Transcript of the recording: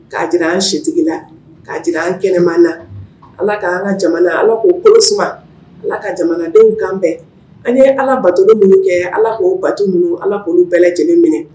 K'a jira an sitigila k'a jira an kɛnɛma la ala k'an ka jamana ala k'o kolo ala ka jamanadenw kan an ye ala bato minnu kɛ ala k'o bato minnu ala k'olu bɛɛ lajɛlen minɛ